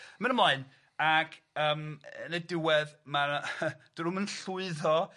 Mynd ymlaen ac yym yy yn y diwedd ma' 'na 'dan nw'm yn llwyddo